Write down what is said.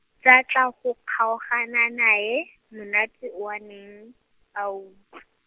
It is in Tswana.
tsa tla go kgaogana nae, monate o a neng, a o u- .